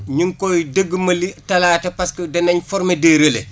ñu ngi koy dëgmali talaata parce que danañ former des relais